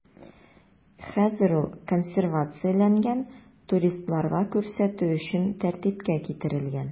Хәзер ул консервацияләнгән, туристларга күрсәтү өчен тәртипкә китерелгән.